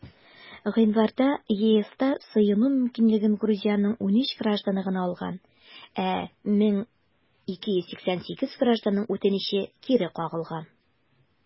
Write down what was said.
Гыйнварда ЕСта сыену мөмкинлеген Грузиянең 13 гражданы гына алган, ә 1288 гражданның үтенече кире кагылган.